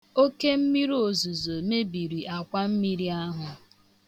Oke mmiri ozuzo mebiri akwammiri ahụ.